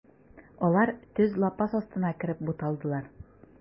Атлар төз лапас астына кереп буталдылар.